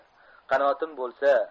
qanotim bolsa